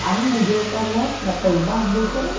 ảnh mà vô toa lét là từ ba mươi phút